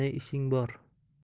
ne ishing bor